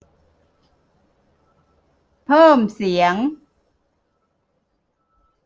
เพิ่มเสียง